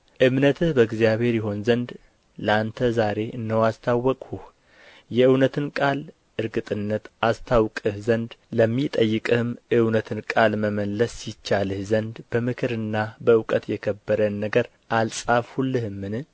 እምነትህ በእግዚአብሔር ይሆን ዘንድ ለአንተ ዛሬ እነሆ አስታወቅሁህ የእውነትን ቃል እርግጥነት አስታውቅህ ዘንድ ለሚጠይቅህም እውነትን ቃል መመለስ ይቻልህ ዘንድ በምክርና በእውቀት የከበረን ነገር አልጻፍሁልህምን